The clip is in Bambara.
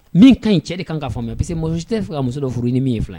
Min tɛ ye cɛ de ka kan ka famuya parce que muɔgɔsi tɛ fɛ ka muso dɔ furu ni